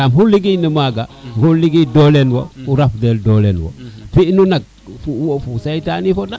yaam o xu ligey na maga ko ligey dole ne wo ko raf del dole ne wo fi ino nak wo fo seytane foda